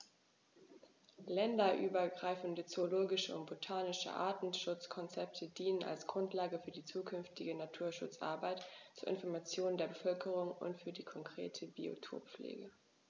Länderübergreifende zoologische und botanische Artenschutzkonzepte dienen als Grundlage für die zukünftige Naturschutzarbeit, zur Information der Bevölkerung und für die konkrete Biotoppflege.